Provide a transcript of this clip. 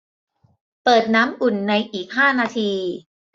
เปิดน้ำอุ่นในอีกห้านาที